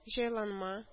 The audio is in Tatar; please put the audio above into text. Җайланма